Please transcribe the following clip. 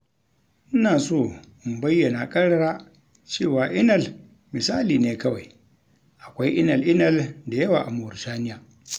Ina so in bayyana ƙarara cewa Inal misali ne kawai; akwai 'Inal-inal' da yawa a Mauritaniya.